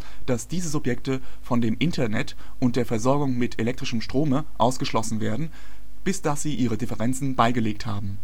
diese Subjekte vom dem InterNet und der Versorgung mit elektrischem Strome ausgeschlossen werden, bis dass sie ihre Differenzen beigelegt haben